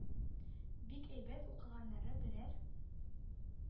Бик әйбәт укыганнары берәр